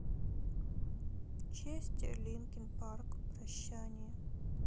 честер линкин парк прощание